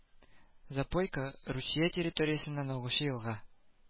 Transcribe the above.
Запойка Русия территориясеннән агучы елга